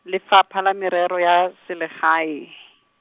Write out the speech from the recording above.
Lefapha la Merero ya, Selegae.